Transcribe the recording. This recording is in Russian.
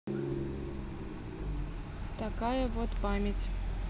такая вот память